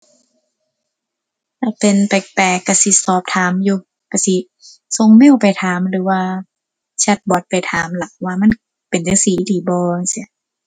ถ้าเป็นแปลกแปลกก็สิสอบถามอยู่ ก็สิส่งเมลไปถามหรือว่าแชตบอตไปถามล่ะ ว่ามันเป็นจั่งซี้อีหลีบ่ จั่งซี้